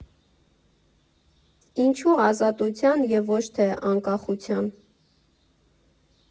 Ինչո՞ւ Ազատության և ոչ թե Անկախության։